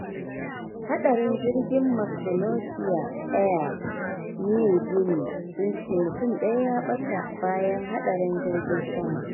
Hadarin Jirgin Micronesia Air Niugini sun ce mutum daya ya bata bayan hadarin jirgin sama